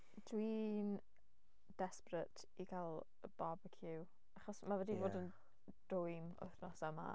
Dwi'n desperate i gael barbeciw achos ma' fe 'di ... ie... bod yn dwym yr wythnos yma.